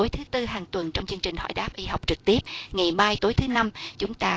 tối thứ tư hàng tuần trong chương trình hỏi đáp y học trực tiếp ngày mai tối thứ năm chúng ta